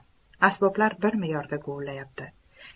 asboblar bir me'yorda guvillayapti